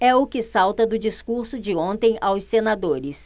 é o que salta do discurso de ontem aos senadores